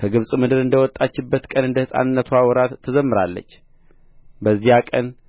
ከግብጽ ምድር እንደ ወጣችበት ቀን እንደ ሕፃንነትዋ ወራት ትዘምራለች በዚያ ቀን